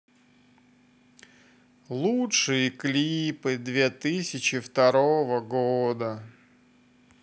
лучшие клипы две тысячи второго года